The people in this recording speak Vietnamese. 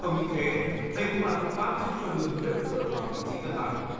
không những thế đây cũng là phương pháp giúp cho đường huyết ở vào vị trí cân bằng